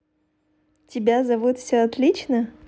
тебя зовут все отлично